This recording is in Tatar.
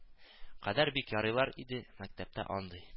Кадәр бик ярыйлар иде, мәктәптә андый